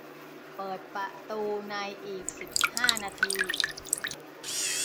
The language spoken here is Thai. เปิดประตูในอีกสิบห้านาที